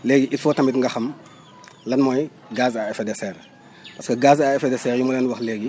léegi il faut tamit nga xam lan mooy gaz à effet de serre parce que gaz à effet de serre yi ma leen wax léegi